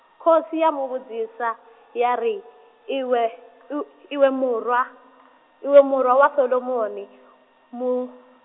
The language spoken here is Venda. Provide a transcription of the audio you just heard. khosi ya muvhudzisa, ya ri, iwe , iwe murwa , iwe murwa wa Solomoni, mu-.